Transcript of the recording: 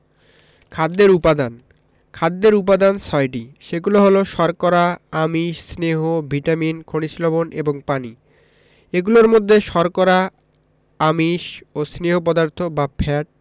খাদ্যের উপাদান খাদ্যের উপাদান ছয়টি সেগুলো হলো শর্করা আমিষ স্নেহ ভিটামিন খনিজ লবন এবং পানি এগুলোর মধ্যে শর্করা আমিষ ও স্নেহ পদার্থ বা ফ্যাট